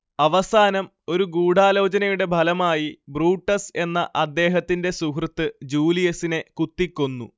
അവസാനം ഒരു ഗൂഡാലോചനയുടെ ഫലമായി ബ്രൂട്ടസ് എന്ന അദ്ദേഹത്തിന്റെ സുഹൃത്ത് ജൂലിയസിനെ കുത്തിക്കൊന്നു